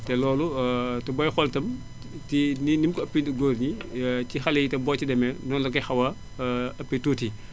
te loolu booy xool itam ci ni mu ko ëppee góor ñi ci xale yi boo ci demee noonu la kay xaw a ëppee tuuti